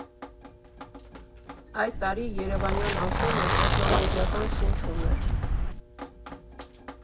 Այս տարի Երևանյան աշունը տեխնոլոգիական շունչ ուներ։